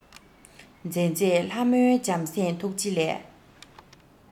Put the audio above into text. མཛེས མཛེས ལྷ མོའི བྱམས སེམས ཐུགས རྗེ ལས